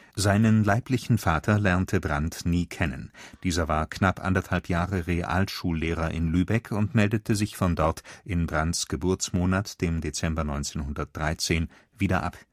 Seinen leiblichen Vater lernte Brandt nie kennen. Dieser war knapp anderthalb Jahre Realschullehrer in Lübeck und meldete sich von dort in Brandts Geburtsmonat, dem Dezember 1913, wieder ab